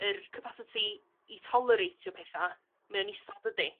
yr capasiti i tolereitio petha mae o'n is d- dydi?